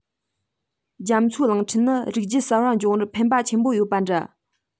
རྒྱ མཚོའི གླིང ཕྲན ནི རིགས རྒྱུད གསར པ འབྱུང བར ཕན པ ཆེན པོ ཡོད པ འདྲ